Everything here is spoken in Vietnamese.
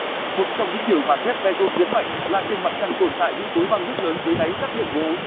một trong những điều mà jeff bezos nhấn mạnh là trên mặt trăng tồn tại những khối băng nước lớn dưới đáy các miệng hố